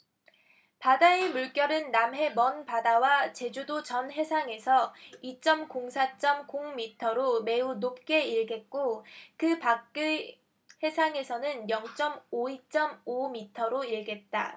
바다의 물결은 남해 먼바다와 제주도 전 해상에서 이 쩜 공 사 쩜 공 미터로 매우 높게 일겠고 그 밖의 해상에서는 영 쩜 오 이 쩜 오 미터로 일겠다